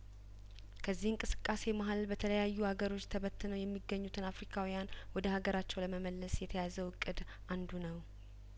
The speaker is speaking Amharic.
ከዚህ እንቅስቃሴ መሀል በተለያዩ ሀገሮች ተበት ነው የሚገኙትን አፍሪካውያን ወደ ሀገራቸው ለመመለስ የተያዘው እቅድ አንዱ ነው